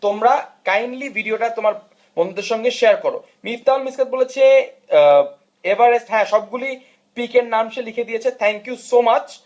তোমরা কাইন্ডলি ভিডিওটা তোমার বন্ধুদের সঙ্গে শেয়ার করো মিফতাহুল মিশকাত বলেছে এভারেস্ট হ্যাঁ সবগুলি পিকের নাম সে লিখে দিয়েছে হ্যাঁ থ্যাঙ্ক ইউ সো মাচ